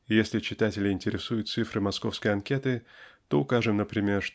И если читателей интересуют ци- фры московской анкеты то укажем напр<имер>